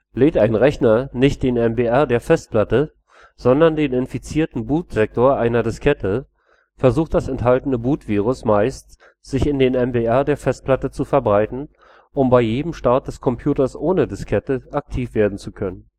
Lädt ein Rechner nicht den MBR der Festplatte sondern den infizierten Bootsektor einer Diskette, versucht das enthaltene Bootvirus meist, sich in den MBR der Festplatte zu verbreiten, um bei jedem Start des Computers ohne Diskette aktiv werden zu können